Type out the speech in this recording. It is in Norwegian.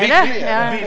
hyggeleg er det.